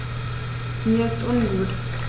Mir ist ungut.